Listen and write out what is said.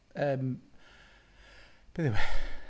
Yym, beth yw e?